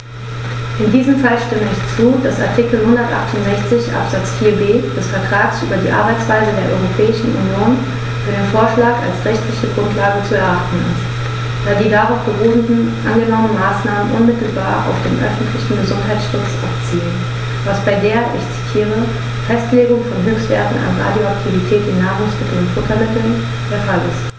In diesem Fall stimme ich zu, dass Artikel 168 Absatz 4b des Vertrags über die Arbeitsweise der Europäischen Union für den Vorschlag als rechtliche Grundlage zu erachten ist, da die auf darauf beruhenden angenommenen Maßnahmen unmittelbar auf den öffentlichen Gesundheitsschutz abzielen, was bei der - ich zitiere - "Festlegung von Höchstwerten an Radioaktivität in Nahrungsmitteln und Futtermitteln" der Fall ist.